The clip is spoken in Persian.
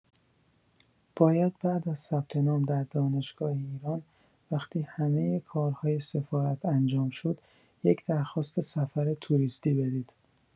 باید بعد از ثبت‌نام در دانشگاه ایران وقتی همه کارهای سفارت انجام شد یک درخواست سفر توریستی بدید